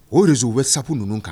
O ninw bɛ sabu ninnu kan